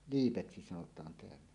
liipeksi sanotaan täällä